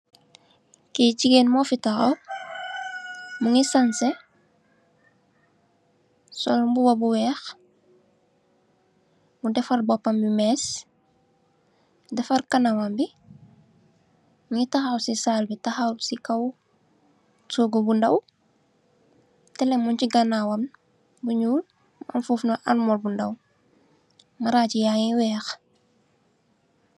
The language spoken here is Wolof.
Kii jigéen mo fi taxaw, mu ngi sanse, sol mbuba bu weex, defar bopam bi, defar kanamam bi, mu ngi taxaw si Saal bi, taxaw si kow, toogu bu ndaw, telle muñ ci ganaawam bu ñuul, am foofu noon almoor bu ndaw, maraaj yaañgi weex.